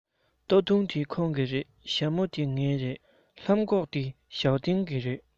སྟོད ཐུང འདི ཁོང གི རེད ཞྭ མོ འདི ངའི རེད ལྷམ གོག འདི ཞའོ ཏིང གི རེད ཆུ ཚོད འདི ཁོའི རེད